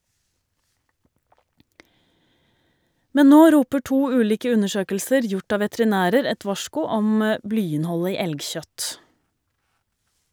Men nå roper to ulike undersøkelser gjort av veterinærer et varsku om blyinnholdet i elgkjøtt.